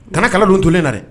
Kaanakala don tunlen na dɛ